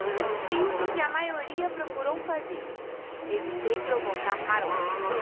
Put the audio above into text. fiz o que a maioria procurou fazer evitei provocar marola